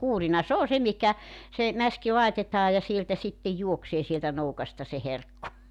kuurina se on se mihinkä se mäski laitetaan ja sieltä sitten juoksee sieltä nokasta se herkku